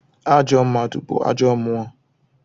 Ajo mmadu bu ajo mmụo